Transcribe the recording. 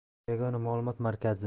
yagona ma'lumot markazi